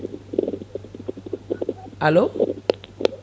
allo